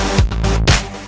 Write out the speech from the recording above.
kìa